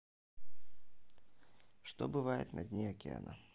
что бывает на дне океана